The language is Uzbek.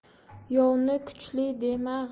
yovni kuchli dema